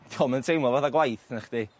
'Di o'm yn teimlo fatha gwaith nachdi?